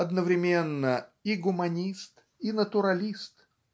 одновременно и гуманист, и натуралист.